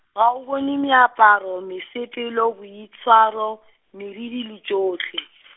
ga o bone meaparo mesepelo boitshwaro, meriri le di tšohle.